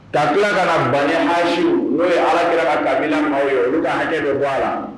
Kabila ka ban ayisiw n'o ye ala kira ka kabilabi maaw ye olu ka hakɛ bɛ waa la